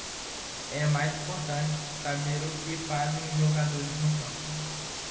é mais importante saber o que fazem os jogadores no campo